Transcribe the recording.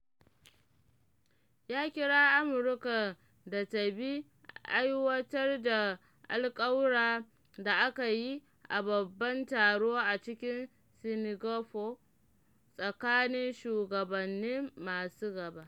Ya kira Amurka da ta bi aiwatar da alkawura da aka yi a babban taro a cikin Singapore tsakanin shugabannin masu gaba.